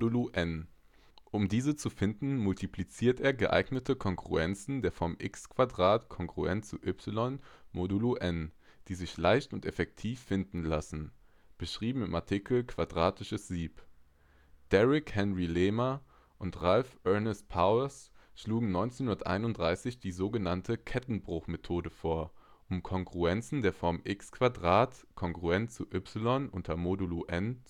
mod n). Um diese zu finden, multipliziert er geeignete Kongruenzen der Form x2 ≡ y (mod n), die sich leicht und effektiv finden lassen (beschrieben im Artikel Quadratisches Sieb). Derrick Henry Lehmer und Ralph Ernest Powers schlugen 1931 die sogenannte Kettenbruchmethode vor, um Kongruenzen der Form x2 ≡ y (mod n